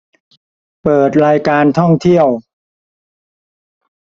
เปิดรายการท่องเที่ยว